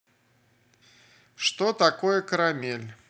что такое карамель